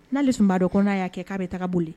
N'aleli sun bbaadɔ kɔnɔ na y'a kɛ k'a bɛ taa boli